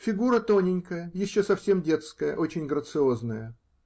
Фигура тоненькая, еще совсем детская, очень грациозная.